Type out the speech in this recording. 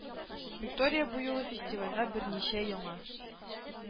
Виктория бу юлы фестивальгә берничә яңа